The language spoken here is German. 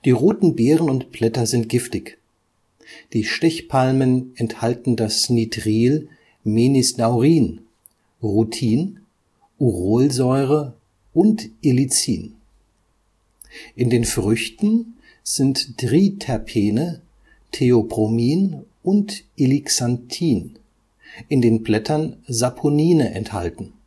roten Beeren und Blätter sind giftig. Die Stechpalmen enthalten das Nitril Menisdaurin, Rutin, Ursolsäure und Ilicin. In den Früchten sind Triterpene, Theobromin und Ilixanthin, in den Blättern Saponine enthalten